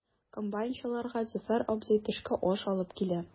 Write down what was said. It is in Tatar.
Комбайнчыларга Зөфәр абзый төшке аш алып килә.